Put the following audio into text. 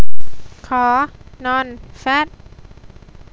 ขอนอนแฟต